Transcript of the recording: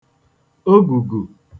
ogùgù